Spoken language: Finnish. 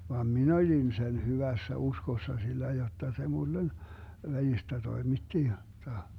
vaan minä olin sen hyvässä uskossa sillä jotta se minulle välistä toimitti jotta